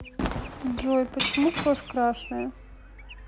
джой почему кровь красная